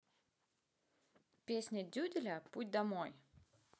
песня дидюля путь домой